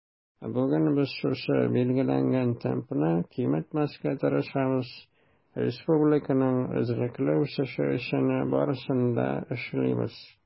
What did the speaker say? Бүген без шушы билгеләнгән темпны киметмәскә тырышабыз, республиканың эзлекле үсеше өчен барысын да эшлибез.